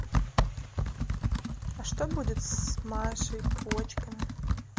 а что будет с машей почками